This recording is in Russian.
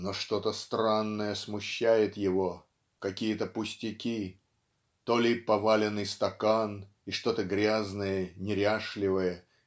"Но что-то странное смущает его, какие-то пустяки то ли поваленный стакан и что-то грязное неряшливое